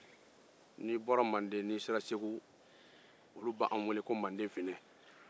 n'i bɔra manden ka na segu olu b'an weele ko manden funɛ